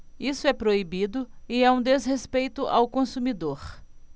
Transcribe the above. isso é proibido e é um desrespeito ao consumidor